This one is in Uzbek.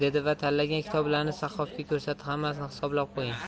kitoblarini sahhofga ko'rsatdi hammasini hisoblab qo'ying